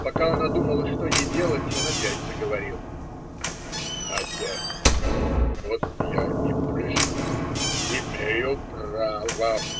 Пока она думала, что ей делать, он опять заговорил. - Ннда! Вот я и пришел. Имею прраво!